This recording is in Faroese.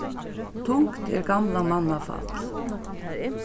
tungt er gamla manna fall